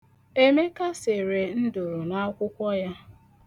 Emeka sere nduru n'akwụkwọ ya.